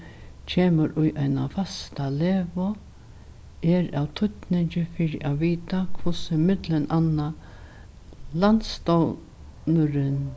kemur í eina fasta legu er av týdningi fyri at vita hvussu millum annað landsstovnurin